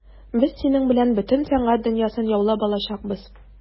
Без синең белән бөтен сәнгать дөньясын яулап алачакбыз.